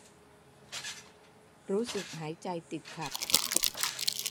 รู้สึกหายใจติดขัด